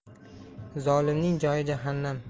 zolimning joyi jahannam